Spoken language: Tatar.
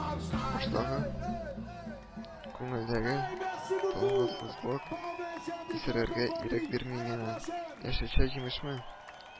Баштагы, күңелдәге тынгысызлык исерергә ирек бирми миңа. Яшелчә-җимешме